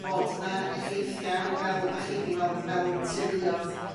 bod 'na effeithia' fel dach chi 'di weld fel teuluodd